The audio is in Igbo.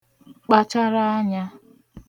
kpàchara anyā